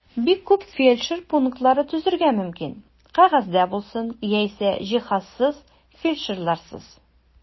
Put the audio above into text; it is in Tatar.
Бик күп фельдшер пунктлары төзергә мөмкин (кәгазьдә булсын яисә җиһазсыз, фельдшерларсыз).